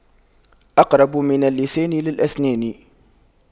أقرب من اللسان للأسنان